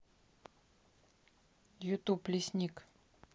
ютуб лесник